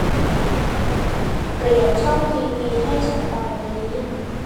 เปลี่ยนช่องทีวีให้ฉันตอนนี้